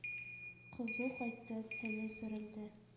Кызу кайтты, тәне сүрелде.